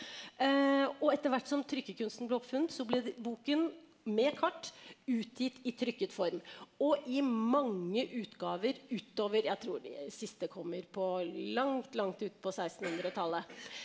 og etter hvert som trykkerkunsten ble oppfunnet så ble boken med kart utgitt i trykket form og i mange utgaver utover jeg tror de siste kommer på langt langt ut på sekstenhundretallet.